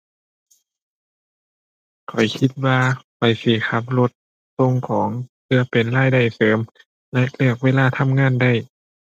ข้อยคิดว่าข้อยสิขับรถส่งของเพื่อเป็นรายได้เสริมและเลือกเวลาทำงานได้